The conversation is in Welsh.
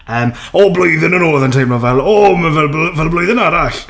Yym o, blwyddyn yn ôl oedd e'n teimlo fel! O ma' fe- f- fel blwyddyn arall.